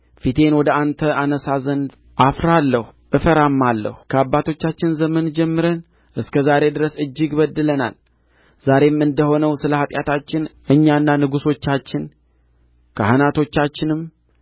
ፊቴን ወደ አንተ አነሣ ዘንድ አፍራለሁ እፈራማለሁ ከአባቶቻችን ዘመን ጀምረን እስከ ዛሬ ድረስ እጅግ በድለናል ዛሬም እንደ ሆነው ስለ ኃጢአታችን እኛና ንጉሦቻችን ካህናቶቻችንም